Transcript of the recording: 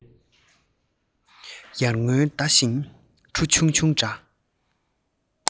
ཡར ངོའི ཟླ བ ཤིང གྲུ ཆུང ཆུང འདྲ